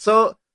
So.